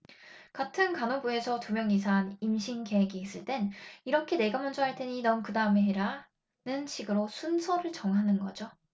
같은 간호부에서 두 명 이상 임신 계획이 있을 땐 이렇게 내가 먼저 할 테니 넌 그다음에 해라는 식으로 순서를 정하는 거죠